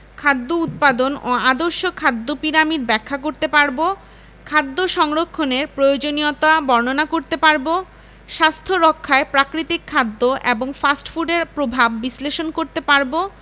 খাদ্য উপাদান ও আদর্শ খাদ্য পিরামিড ব্যাখ্যা করতে পারব খাদ্য সংরক্ষণের প্রয়োজনীয়তা বর্ণনা করতে পারব স্বাস্থ্য রক্ষায় প্রাকৃতিক খাদ্য এবং ফাস্ট ফুডের প্রভাব বিশ্লেষণ করতে পারব